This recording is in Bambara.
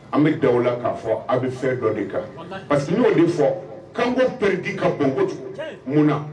An bɛ dawu la k'a fɔ an bɛ fɛn dɔ de kan parce que n'o de fɔ'anko pere ka bon munna na